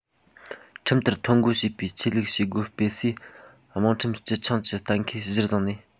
ཁྲིམས ལྟར ཐོ འགོད བྱས པའི ཆོས ལུགས བྱེད སྒོ སྤེལ སས དམངས ཁྲིམས སྤྱི ཆིངས ཀྱི གཏན འཁེལ གཞིར བཟུང ནས